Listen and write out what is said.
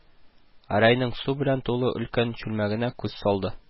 Гәрәйнең су белән тулы өлкән чүлмәгенә күз салды